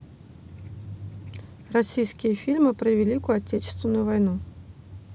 российские фильмы про великую отечественную войну